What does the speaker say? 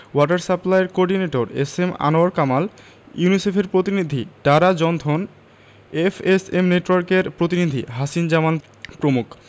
water সাপ্লাইর coordinator S M Anwar Kamal ইউনিসেফের প্রতিনিধি ডারা জনথন এফএসএম নেটওয়ার্কের প্রতিনিধি হাসিন জামান প্রমুখ